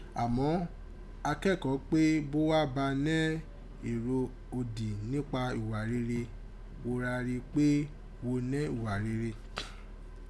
Àmọ́, a kẹ́kọ̀ọ́ pé bó wo bá nẹ́ èrò òdì nípa ùwà rire, wo rá rí i pé wo nẹ́ ùwà rire.